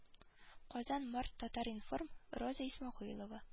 Казан март татар-информ роза исмәгыйлова